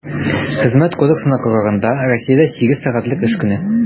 Хезмәт кодексына караганда, Россиядә сигез сәгатьлек эш көне.